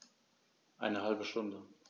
Eine halbe Stunde